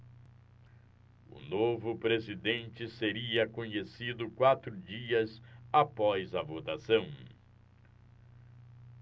o novo presidente seria conhecido quatro dias após a votação